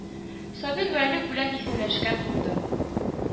Сабир Вәлүк белән дә исәнләшкән булды